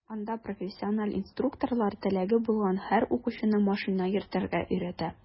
Анда профессиональ инструкторлар теләге булган һәр укучыны машина йөртергә өйрәтә.